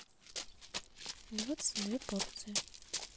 двадцать две порции